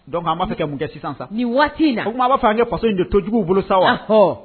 Dɔnku an b'a fɛ kɛ mun kɛ sisan san ni waati in ko tun b'a' an kɛ kɔsɔ in jɔ tojuguw bolo sa wa